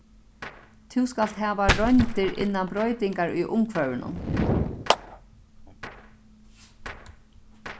tú skalt hava royndir innan broytingar í umhvørvinum